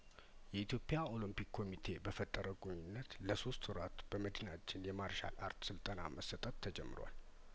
የኢትዮፕያኦሎምፒክ ኮሚቴ በፈጠረው ግንኙነት ለሶስት ወራት በመዲናችን የማርሻል አርት ስልጠና መሰጠት ተጀምሯል